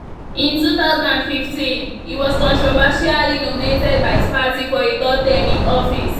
In 2015, he was controversially nominated by his party for a third term in office.